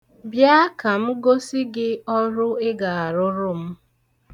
Bịa ka m gosi gị ọrụ ị ga-arụrụ m.